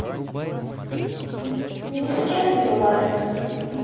ни с кем не бывает